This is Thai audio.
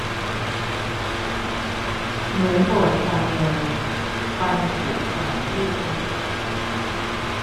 เหมือนปวดฟันเลยฟันผุป่าวไม่รู้